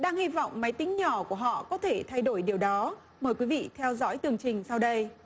đang hy vọng máy tính nhỏ của họ có thể thay đổi điều đó mời quý vị theo dõi tường trình sau đây